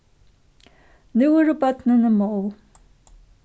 nú eru børnini móð